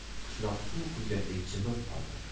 qishloq suv quyganday jimib qoladi